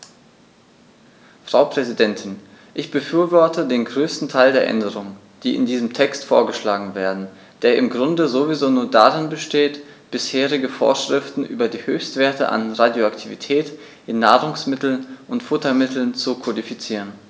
Frau Präsidentin, ich befürworte den größten Teil der Änderungen, die in diesem Text vorgeschlagen werden, der im Grunde sowieso nur darin besteht, bisherige Vorschriften über die Höchstwerte an Radioaktivität in Nahrungsmitteln und Futtermitteln zu kodifizieren.